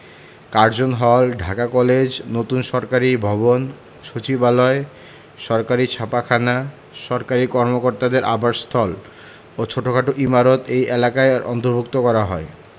Curzon Hall Dhaka college নতুন সরকারি ভবন সচিবালয় সরকারি ছাপাখানা সরকারি কর্মকর্তাদের আবাসস্থল ও ছোটখাট ইমারত ওই এলাকার অন্তর্ভুক্ত করা হয়